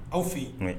Aw f fɛ yen kɔn ye